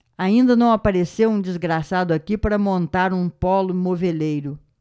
ainda não apareceu um desgraçado aqui para montar um pólo moveleiro